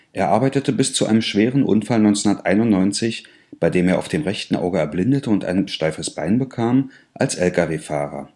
Er arbeitete bis zu einem schweren Unfall 1991, bei dem er auf dem rechten Auge erblindete und ein steifes Bein bekam, als Lkw-Fahrer